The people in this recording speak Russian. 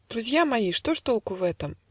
Друзья мои, что ж толку в этом?